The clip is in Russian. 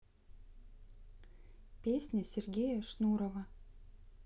песня сергея шнурова